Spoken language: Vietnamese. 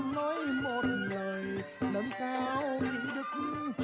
lời nâng